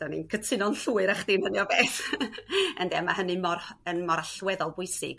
da' ni'n cytuno'n llwyr â chdi yn hynny o beth ynde? A ma' hynny mor yn mor allweddol bwysig